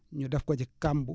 ñu def ko ci kàmb